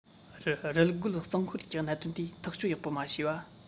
རུལ རྒོལ གཙང སྤེལ གྱི གནད དོན དེ ཐག གཅོད ཡག པོ མ བྱས བ